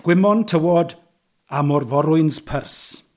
Gwymon, tywod a môr-forwyn's purse.